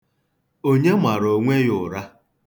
Onye mara onwe ya ụra?